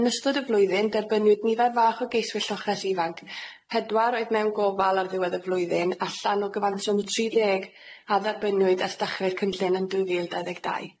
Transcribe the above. Yn ystod y flwyddyn derbynwyd nifer fach o geiswyr lloches ifanc, pedwar oedd mewn gofal ar ddiwedd y flwyddyn, allan o gyfanswm o tri deg a dderbyniwyd ers dechrau'r cynllun yn dwy fil dau ddeg dau.